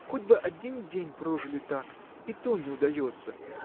— Хоть бы один день прожить так. и то не удается!